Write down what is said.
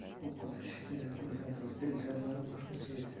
ilgarilari boshqacha edi